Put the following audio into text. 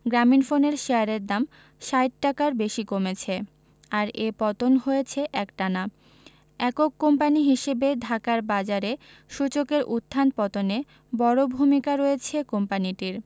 গ্রামীণফোনের শেয়ারের দাম ৬০ টাকার বেশি কমেছে আর এ পতন হয়েছে একটানা একক কোম্পানি হিসেবে ঢাকার বাজারে সূচকের উত্থান পতনে বড় ভূমিকা রয়েছে কোম্পানিটির